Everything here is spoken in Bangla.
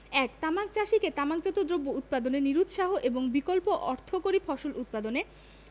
১ তামাক চাষীকে তামাকজাত দ্রব্য উৎপাদনে নিরুৎসাহ এবং বিকল্প অর্থকরী ফসল উৎপাদনে